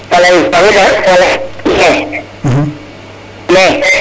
*